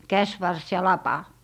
käsivarsi ja lapa